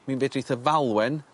mi fedrith y falwen